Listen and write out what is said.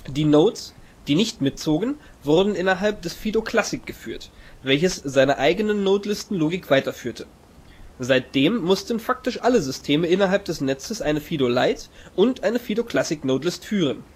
Die Nodes, die nicht mitzogen, wurden innerhalb des Fido-Classic geführt, welches seine eigene Nodelistenlogik weiterführte. Seitdem mussten faktisch alle System innerhalb des Netzes eine Fido-Lite und eine Fido-Classic Nodelist führen